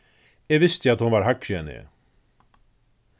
eg visti at hon var hægri enn eg